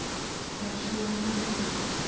пошла на фиг